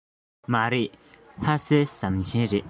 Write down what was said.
མ རེད ལྷ སའི ཟམ ཆེན རེད